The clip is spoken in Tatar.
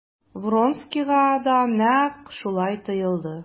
Вронскийга да нәкъ шулай тоелды.